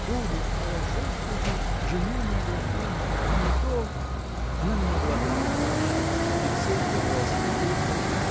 будешь хорошо служить, женю на Аграфене, а не то. Она не могла говорить дальше. Евсей взобрался на козлы.